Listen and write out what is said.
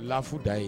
Lafu dan ye